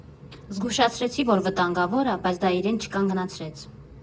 Զգուշացրեցի, որ վտանգավոր ա, բայց դա իրեն չկանգնացրեց։